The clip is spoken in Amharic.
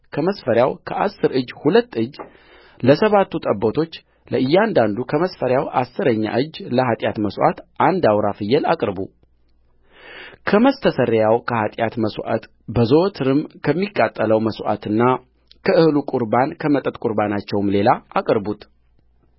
ከመስፈሪያው ከአሥር እጅ ሁለት እጅለሰባቱ ጠቦቶች ለእያንዳንዱ ከመስፈሪያው አሥረኛ እጅለኃጢአት መሥዋዕት አንድ አውራ ፍየል አቅርቡ ከሚያስተሰርየው ከኃጢአት መሥዋዕት በዘወትርም ከሚቃጠለው መሥዋዕትና ከእህሉ ቍርባን ከመጠጥ ቍርባናቸውም ሌላ አቅርቡት